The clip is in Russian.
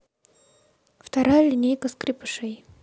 вторая линейка скрепышей